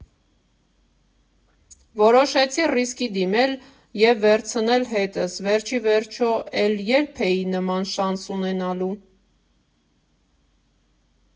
Որոշեցի ռիսկի դիմել և վերցնել հետս, վերջիվերջո, էլ ե՞րբ էի նման շանս ունենալու։